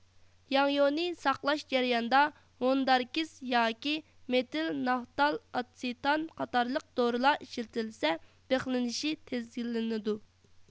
ياڭيۇنى ساقلاش جەريانىدا ۋوندراكىس ياكى مېتىل نافتال ئاتسېتان قاتارلىق دورىلار ئىشلىتىلسە بىخلىنىشى تىزگىنلىنىدۇ